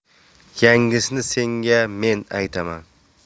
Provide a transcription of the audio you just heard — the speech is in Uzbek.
yangisini senga men aytaman